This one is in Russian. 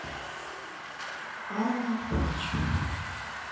алла пугачева